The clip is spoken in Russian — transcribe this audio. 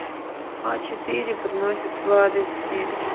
а четыре приносит сладости